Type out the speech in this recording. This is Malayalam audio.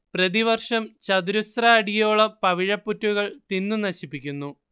പ്രതിവർഷം ചതുരശ്ര അടിയോളം പവിഴപ്പുറ്റുകൾ തിന്നു നശിപ്പിക്കുന്നു